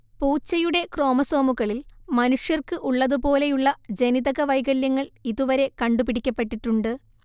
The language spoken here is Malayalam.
പൂച്ചയുടെ ക്രോമസോമുകളിൽ മനുഷ്യർക്ക് ഉള്ളതുപോലെയുള്ള ജനിതകവൈകല്യങ്ങൾ ഇതുവരെ കണ്ടുപിടിക്കപ്പെട്ടിട്ടുണ്ട്